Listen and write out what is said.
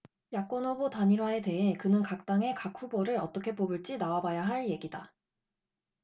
야권후보 단일화에 대해 그는 각당의 각 후보를 어떻게 뽑을지 나와봐야 할 얘기다